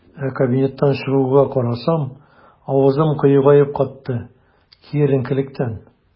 Ә кабинеттан чыгуга, карасам - авызым кыегаеп катты, киеренкелектән.